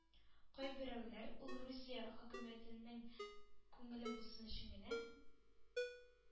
Кайберәүләр ул русия хөкүмәтенең күңеле булсын өчен генә